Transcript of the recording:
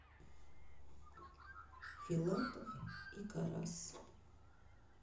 филатов и карас